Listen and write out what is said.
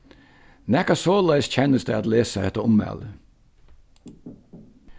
nakað soleiðis kennist tað at lesa hetta ummæli